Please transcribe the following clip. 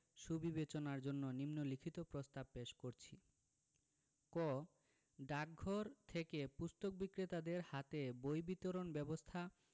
সুবিবেচনার জন্য নিন্ম লিখিত প্রস্তাব পেশ করছি ক ডাকঘর থেকে পুস্তক বিক্রেতাদের হাতে বই বিতরণ ব্যবস্থা